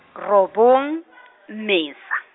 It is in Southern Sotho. robong, Mmesa.